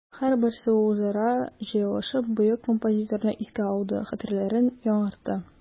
Һәрберсе үзара җыелышып бөек композиторны искә алды, хатирәләрен яңартты.